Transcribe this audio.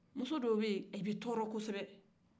muso dɔ bɛ yen o bɛ tɔɔrɔ kosɛbɛ